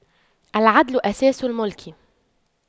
العدل أساس الْمُلْك